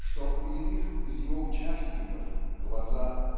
что у иных из его участников глаза